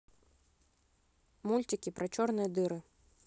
мультики про черные дыры